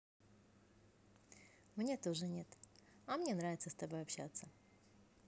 мне тоже нет а мне нравится с тобой общаться